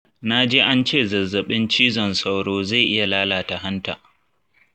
naji ance zazzaɓin cizon sauro zai iya lalata hanta.